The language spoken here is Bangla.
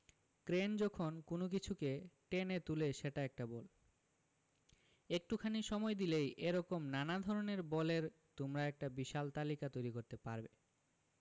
ক্রেন যখন কোনো কিছুকে টেনে তুলে সেটা একটা বল একটুখানি সময় দিলেই এ রকম নানা ধরনের বলের তোমরা একটা বিশাল তালিকা তৈরি করতে পারবে